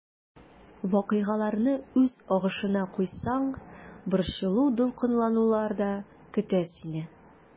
Вакыйгаларны үз агышына куйсаң, борчылу-дулкынланулар да көтә сине.